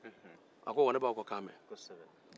a ko wa ne b'aw kakan mɛn